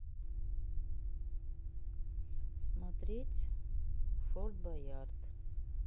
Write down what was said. смотреть форд боярд